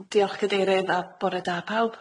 Diolch cadeirydd a bore da pawb.